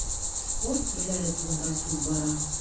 Спорт төрләре турында сүз бара.